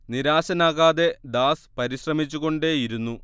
നിരാശനാകാതെ Das പരിശ്രമിച്ചുകൊണ്ടേയിരുന്നു